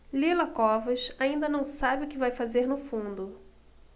lila covas ainda não sabe o que vai fazer no fundo